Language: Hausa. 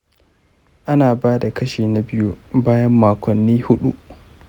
ana ba da kashi na biyu bayan makonni huɗu.